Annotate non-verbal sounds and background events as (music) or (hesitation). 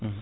(hesitation) (hesitation)